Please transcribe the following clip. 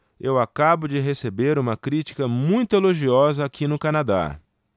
eu acabo de receber uma crítica muito elogiosa aqui no canadá